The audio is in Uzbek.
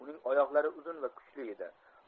uning oyoqlari uzun va kuchli edi